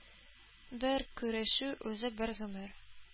Бер күрешү үзе бер гомер.